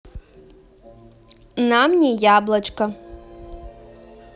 нам не яблочко